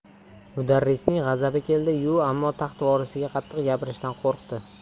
mudarrisning g'azabi keldi yu ammo taxt vorisiga qattiq gapirishdan qo'rqdi